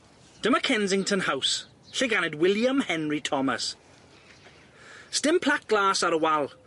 Dyma Kensington House, lle ganed William Henry Thomas. Sdim plac glas ar y wal